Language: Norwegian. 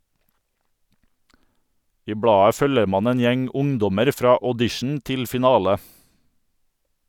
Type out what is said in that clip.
I bladet følger man en gjeng ungdommer fra audition til finale.